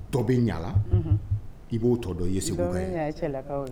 Dɔ be Ɲa la unhun i b'o tɔ dɔn i ye Seguka ye dɔ be Ɲa cɛlakaw la